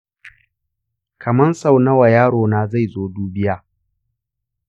kaman sau nawa yaro na zai zo dubiya?